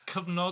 Cyfnod.